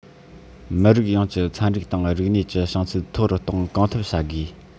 མི རིགས ཡོངས ཀྱི ཚན རིག དང རིག གནས ཀྱི བྱང ཚད མཐོ རུ གཏོང གང ཐུབ བྱ དགོས